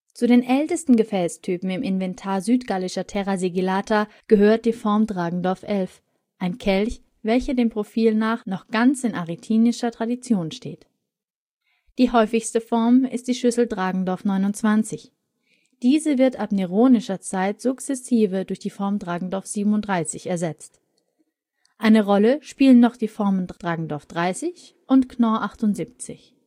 Zu den ältesten Gefäßtypen im Inventar südgallischer Terra Sigillata gehört die Form Drag. 11, einem Kelch, welcher dem Profil nach noch ganz in arretinischer Tradition steht. Die häufigste Form ist die Schüssel Drag. 29. Diese wird ab neronischer Zeit sukzessive durch die Form Drag. 37 ersetzt. Ein Rolle spielen noch die Formen Drag. 30 und Knorr 78.